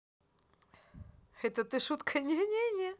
это ты шутка не не не